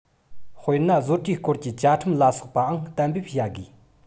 དཔེར ན བཟོ གྲྭའི སྐོར གྱི བཅའ ཁྲིམས ལ སོགས པའང གཏན འབེབས བྱ དགོས